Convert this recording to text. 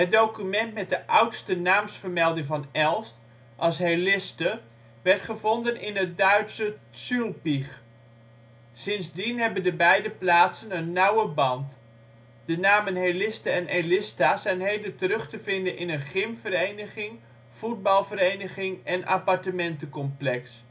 document met de oudste naamsvermelding van Elst (Heliste) werd gevonden in het Duitse Zülpich. Sindsdien hebben de beide plaatsen een nauwe band. De namen Heliste en Elistha zijn heden terug te vinden in een gymvereniging, voetbalvereniging en appartementencomplex